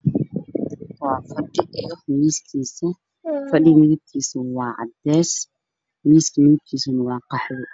Waa fadhi iyo miiskiisa. Fadhiga midabkiisu waa cadeys miiska midabkiisu waa qaxwi.